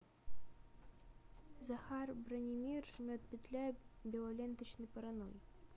захар бранимир жмет петля белоленточной паранойей